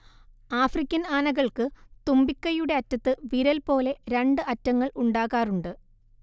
African ആനകൾക്ക് തുമ്പിക്കൈയുടെ അറ്റത്ത് വിരൽ പോലെ രണ്ട് അറ്റങ്ങൾ ഉണ്ടാകാറുണ്ട്